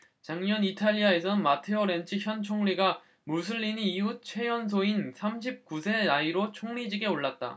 작년 이탈리아에선 마테오 렌치 현 총리가 무솔리니 이후 최연소인 삼십 구 세 나이로 총리직에 올랐다